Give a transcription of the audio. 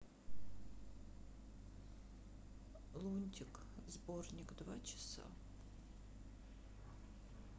лунтик сборник два часа